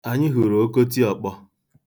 Anyị hụrụ okotiọkpọ.